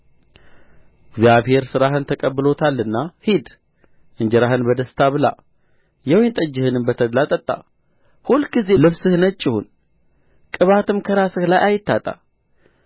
እግዚአብሔር ሥራህን ተቀብሎታልና ሂድ እንጀራህን በደስታ ብላ የወይን ጠጅህንም በተድላ ጠጣ ሁልጊዜ ልብስህ ነጭ ይሁን ቅባትም ከራስህ ላይ አይታጣ